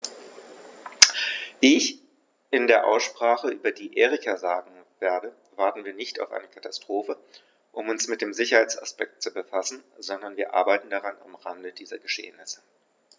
Wie ich in der Aussprache über die Erika sagen werde, warten wir nicht auf eine Katastrophe, um uns mit dem Sicherheitsaspekt zu befassen, sondern wir arbeiten daran am Rande dieser Geschehnisse.